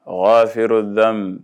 Ɔ feere lamme